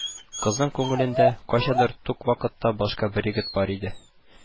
Кызның күңелендә, кайчандыр тук вакытта башка бер егет бар иде